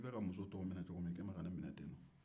i bɛ ka muso tɔw minɛ cogo min i kɛ len bɛ ka ne minɛ ten de